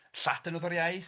Lladin o'dd yr iaith.